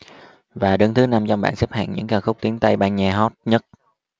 và đứng thứ năm trong bảng xếp hạng những ca khúc tiếng tây ban nha hot nhất